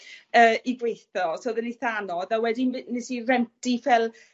yy i gweitho so odd e'n eitha anodd. A wedyn fe- nes i renti fel